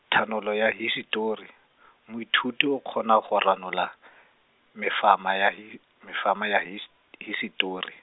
thanolo ya Hisetori, moithuti o kgona go ranola mefama ya hi-, mefama ya his-, Hisetori.